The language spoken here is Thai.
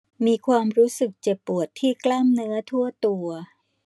มีความรู้สึกเจ็บปวดที่กล้ามเนื้อทั่วตัว